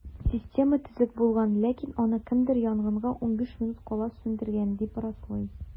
Система төзек булган, ләкин аны кемдер янгынга 15 минут кала сүндергән, дип раслый.